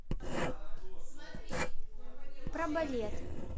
про балет